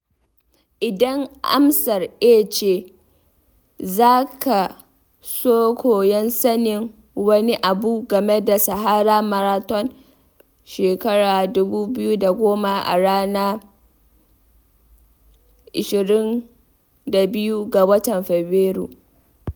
Idan amsar 'eh' ce, zaka ka so koyon sanin wani abu game da Sahara Marathon 2010 a ranar 22 ga watan Fabrairu.